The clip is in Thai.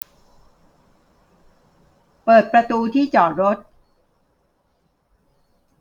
เปิดประตูที่จอดรถ